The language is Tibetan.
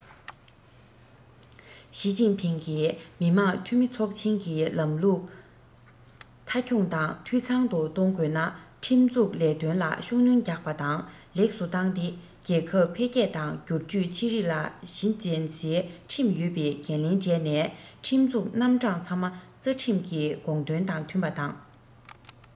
ཞིས ཅིན ཕིང གིས མི དམངས འཐུས མི ཚོགས ཆེན གྱི ལམ ལུགས མཐའ འཁྱོངས དང འཐུས ཚང དུ གཏོང དགོས ན ཁྲིམས འཛུགས ལས དོན ལ ཤུགས སྣོན རྒྱག པ དང ལེགས སུ བཏང སྟེ རྒྱལ ཁབ འཕེལ རྒྱས དང སྒྱུར བཅོས ཆེ རིགས ལ གཞི འཛིན སའི ཁྲིམས ཡོད པའི འགན ལེན བྱས ནས ཁྲིམས འཛུགས རྣམ གྲངས ཚང མ རྩ ཁྲིམས ཀྱི དགོངས དོན དང མཐུན པ དང